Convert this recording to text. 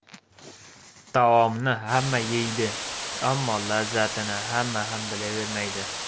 taomni hamma yeydi ammo lazzatini hamma ham bilavermaydi